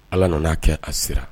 Ala nan'a kɛ a siran